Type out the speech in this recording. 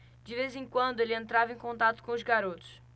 de vez em quando ele entrava em contato com os garotos